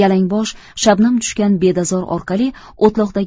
yalangbosh shabnam tushgan bedazor orqali o'tloqdagi